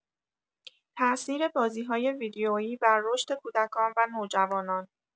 تاثیر بازی‌های ویدئویی بر رشد کودکان و نوجوانان